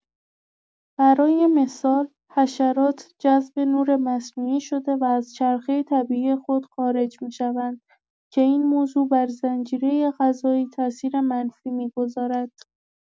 برای مثال، حشرات جذب نور مصنوعی شده و از چرخه طبیعی خود خارج می‌شوند که این موضوع بر زنجیره غذایی تاثیر منفی می‌گذارد.